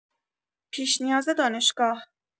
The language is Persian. پیش‌نیاز دانشگاه